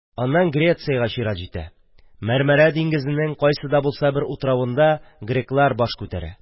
Аннан Грециягә чират җитә – Мәрмәрә диңгезенең кайсы да булса бер утравында греклар баш күтәрә